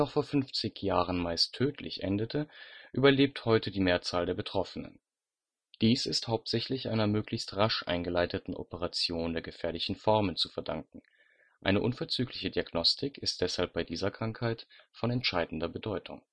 vor 50 Jahren meist tödlich endete, überlebt heute die Mehrzahl der Betroffenen. Dies ist hauptsächlich einer möglichst rasch eingeleiteten Operation der gefährlichen Formen zu verdanken, eine unverzügliche Diagnostik ist deshalb bei dieser Krankheit von entscheidender Bedeutung